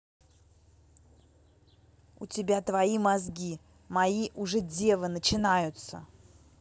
у тебя твои мозги мои уже девы начинаются